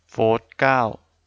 โฟธเก้า